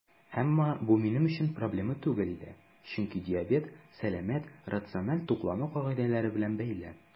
Әмма бу минем өчен проблема түгел иде, чөнки диабет сәламәт, рациональ туклану кагыйдәләре белән бәйле.